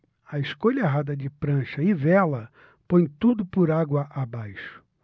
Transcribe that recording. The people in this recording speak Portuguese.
a escolha errada de prancha e vela põe tudo por água abaixo